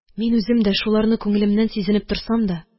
Мин үзем дә шуларны күңелемнән сизенеп торсам да,